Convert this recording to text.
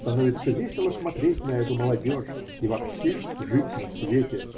становится весело смотреть на эту молодежь и вообще жить на свете.